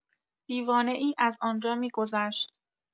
دیوانه‌ای از آنجا می‌گذشت.